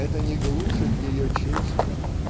это не глушит ее чувства.